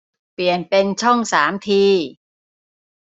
เปลี่ยนเป็นช่องสามที